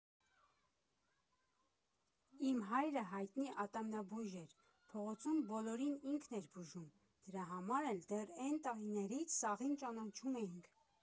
Իմ հայրը հայտնի ատամնաբույժ էր, փողոցում բոլորին ինքն էր բուժում, դրա համար էլ դեռ էն տարիներից սաղին ճանաչում էինք։